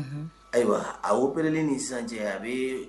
Unhun ayiwa a opéré len ni sisan cɛ a bee